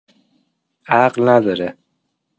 عقل نداره